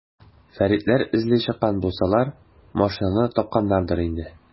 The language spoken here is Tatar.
Фәритләр эзли чыккан булсалар, машинаны тапканнардыр инде.